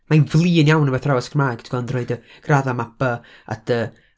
mae'n flin iawn efo'i athrawes Gymraeg, tibod, yn roid y graddau 'ma, B, a D.